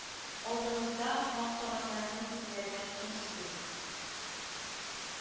— алдыгызда мактаганнарның күзләренә ком сибегез